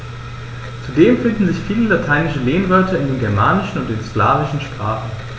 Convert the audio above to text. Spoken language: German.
Zudem finden sich viele lateinische Lehnwörter in den germanischen und den slawischen Sprachen.